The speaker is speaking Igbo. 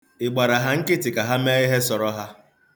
Ị gbara ha nkịtị ka ha mee ihe sọrọ ha?